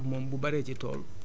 ba mu màgg